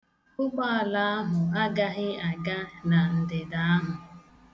Ụgbọala ahụ agaghị aga na ndịda ahụ.